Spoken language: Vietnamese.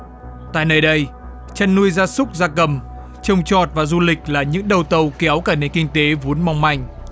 tại nơi đây chăn nuôi gia súc gia cầm trồng trọt và du lịch là những đầu tàu kéo cả nền kinh tế vốn mong manh